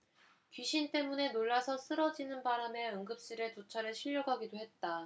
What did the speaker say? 귀신 때문에 놀라서 쓰러지는 바람에 응급실에 두 차례 실려가기도 했다